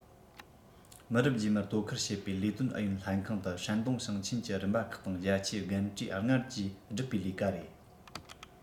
མི རབས རྗེས མར དོ ཁུར བྱེད པའི ལས དོན ཨུ ཡོན ལྷན ཁང དུ ཧྲན ཏུང ཞིང ཆེན གྱི རིམ པ ཁག དང རྒྱ ཆེའི རྒན གྲས ལྔར ཀྱིས བསྒྲུབས པའི ལས ཀ རེད